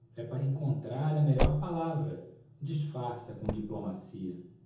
é para encontrar a melhor palavra disfarça com diplomacia